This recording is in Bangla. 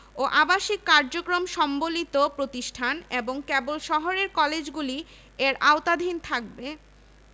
মূল ব্যয় এবং ১২ লাখ টাকা বাৎসরিক ব্যয় নির্ধারণ করা হয় প্রতিবেদনে বিশ্ববিদ্যালয়ের পূর্তকাজ ও পাঠদানবিষয়ক তথ্যাদি বিশদ আকারে বর্ণিত হয়